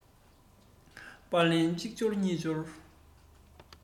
པར ལན གཅིག འབྱོར གཉིས འབྱོར